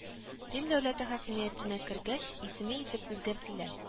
Рим дәүләте хакимиятенә кергәч, исеме итеп үзгәртелә